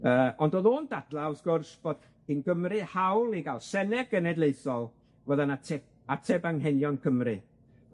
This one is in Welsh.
Yy ond o'dd o'n dadla wrth gwrs bod gin Gymru hawl i ga'l Senedd Genedlaethol, fydda'n ate- ateb anghenion Cymru.